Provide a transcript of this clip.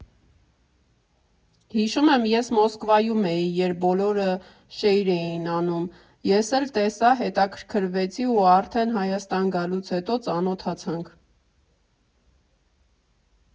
Հիշում եմ, ես Մոսկվայում էի, երբ բոլորը շեյր էին անում, ես էլ տեսա, հետաքրքվեցի ու արդեն Հայաստան գալուց հետո ծանոթացանք։